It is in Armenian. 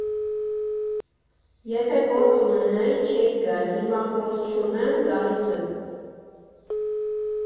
Եթե գործ ունենայի չէի գա, հիմա գործ չունեմ՝ գալիս եմ։